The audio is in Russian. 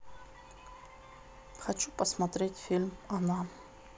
хочу посмотреть фильм она